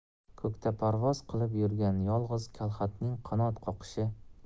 ko'kda parvoz qilib yurgan yolg'iz kalxatning qanot qoqishi